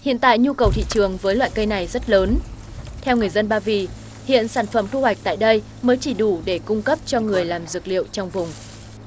hiện tại nhu cầu thị trường với loại cây này rất lớn theo người dân ba vì hiện sản phẩm thu hoạch tại đây mới chỉ đủ để cung cấp cho người làm dược liệu trong vùng